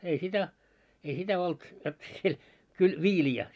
ei sitä ei sitä ollut jotta siellä kyllä viiliä